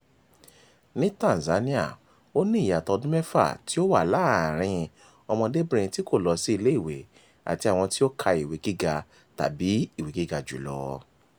Ní Tanzania, ó ní ìyàtọ̀ ọdún mẹ́fà tí ó wà láàárín ọmọdébìnrin tí kò lọ sí ilé ìwé àti àwọn tí ó ka ìwé gíga tàbí ìwé gíga jù lọ.